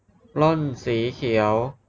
ปล้นสีเขียว